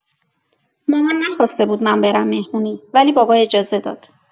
مامان نخواسته بود من برم مهمونی ولی بابا اجازه داد.